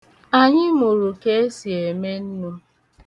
Anyị mụrụ ka esi eme nnu.